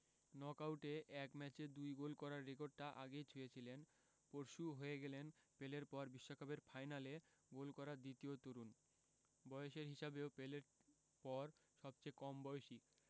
নকআউটে এক ম্যাচে ২ গোল করার রেকর্ডটা আগেই ছুঁয়েছিলেন পরশু হয়ে গেলেন পেলের পর বিশ্বকাপের ফাইনালে গোল করা দ্বিতীয় তরুণ বয়সের হিসাবেও পেলের পর সবচেয়ে কম বয়সী